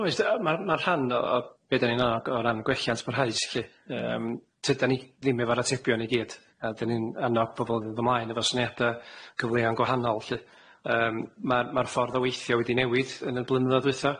Oes yy ma' ma' rhan o o be' da ni'n annog o ran gwelliant parhaus lly yym tydan ni ddim efo'r atebion i gyd a dan ni'n annog pobol yn dod ymlaen efo syniada cyfleon gwahanol lly yym ma'r ma'r ffordd o weithio wedi newid yn y blynyddo'dd dwytha.